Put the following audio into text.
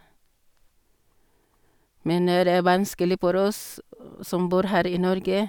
Men er det vanskelig for oss som bor her i Norge.